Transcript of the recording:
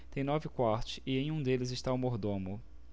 tem nove quartos e em um deles está o mordomo